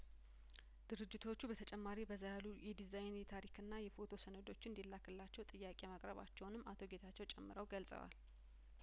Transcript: ድርጅቶቹ በተጨማሪ በዛ ያሉ የዲዛይን የታሪክና የፎቶ ሰነዶችን እንዲላክላቸው ጥያቄ ማቅረባቸውንም አቶ ጌታቸው ጨምረው ገልጸዋል